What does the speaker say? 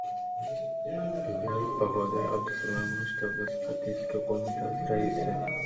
begalov bahodir abdusalomovich davlat statistika qo'mitasi raisi